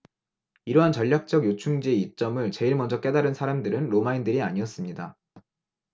이러한 전략적 요충지의 이점을 제일 먼저 깨달은 사람들은 로마인들이 아니었습니다